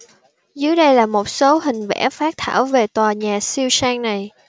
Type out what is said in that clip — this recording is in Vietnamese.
dưới đây là một số hình vẽ phác thảo về tòa nhà siêu sang này